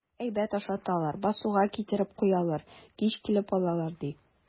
Әйбәт ашаталар, басуга китереп куялар, кич килеп алалар, ди.